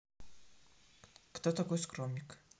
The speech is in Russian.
кто такой скромник